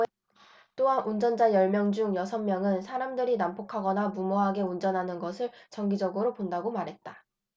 또한 운전자 열 명 중 여섯 명은 사람들이 난폭하거나 무모하게 운전하는 것을 정기적으로 본다고 말했다